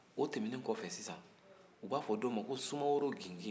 o tɛmɛnen kɔfɛ u b'a fɔ dɔ ma ko sumaworo gigin